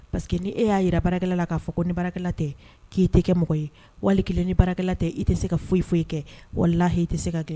Pa parce que ni e y'a jirara baarakɛla la k'a fɔ ko ni baarakɛla tɛ k'i tɛ kɛ mɔgɔ ye wali kelen ni baarakɛla tɛ i tɛ se ka foyi foyi kɛ wala h tɛ se ka kɛ